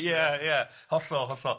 Ie ie hollol hollol.